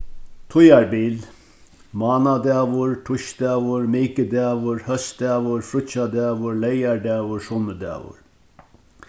tíðarbil mánadagur týsdagur mikudagur hósdagur fríggjadagur leygardagur sunnudagur